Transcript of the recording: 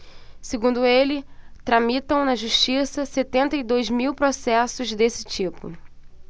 segundo ele tramitam na justiça setenta e dois mil processos desse tipo